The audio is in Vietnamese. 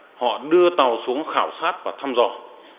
họ đưa tàu xuống khảo sát và thăm dò